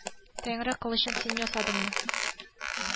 Тәнре кылычын син ясадыңмы